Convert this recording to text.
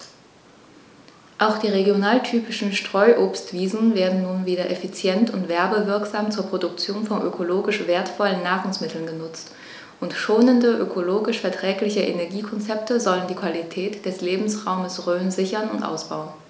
Auch die regionaltypischen Streuobstwiesen werden nun wieder effizient und werbewirksam zur Produktion von ökologisch wertvollen Nahrungsmitteln genutzt, und schonende, ökologisch verträgliche Energiekonzepte sollen die Qualität des Lebensraumes Rhön sichern und ausbauen.